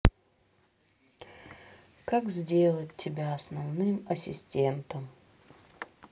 как сделать тебя основным ассистентом